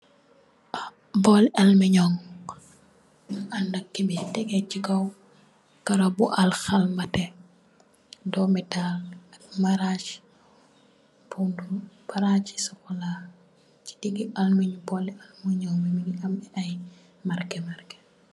Bowl alminium bu andax cuber tege si kaw karo bu al xalmateh domital ak marag bu maragi chocola si digi alminium bowli alminium mogi am ay marke marke.